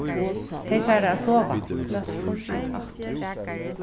tey fara at sova